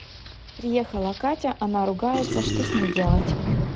приехала катя она ругается что с ней делать